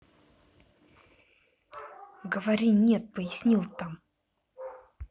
говори нет пояснил там